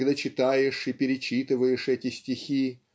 когда читаешь и перечитываешь эти стихи